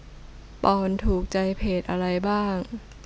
ปอนด์ถูกใจเพจอะไรบ้าง